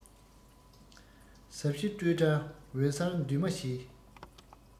ཟབ ཞི སྤྲོས བྲལ འོད གསལ འདུས མ བྱས